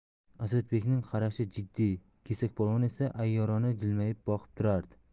asadbekning qarashi jiddiy kesakpolvon esa ayyorona jilmayib boqib turardi